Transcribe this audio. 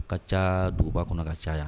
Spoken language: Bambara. Ka ca duguba kɔnɔ ka caya .